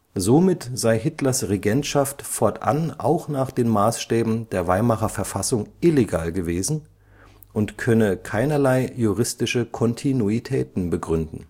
Somit sei Hitlers Regentschaft fortan auch nach den Maßstäben der Weimarer Verfassung illegal gewesen und könne keinerlei juristische Kontinuitäten begründen